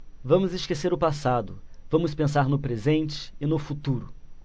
vamos esquecer o passado vamos pensar no presente e no futuro